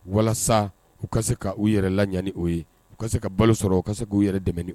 Walasa u ka se k ka u yɛrɛ laani o ye u ka se ka balo sɔrɔ u ka se k' uu yɛrɛ dɛmɛen